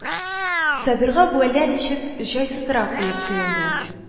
Сабирга бу әллә ничек җайсызрак булып тоелды